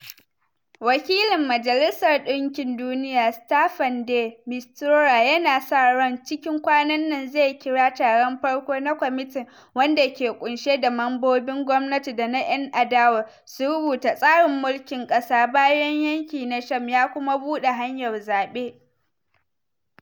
Wakilin Majalisar Ɗinkin Duniya Staffan de Mistura yana sa ran cikin kwanan nan zai kira taron farko na kwamitin wanda ke kunsheda mambobin gwamnati da na ‘yan adawa su rubuta tsarin mulkin kasa bayan yaki na Sham ya kuma buɗe hanyar zabe.